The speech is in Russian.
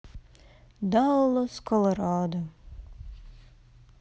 даллас колорадо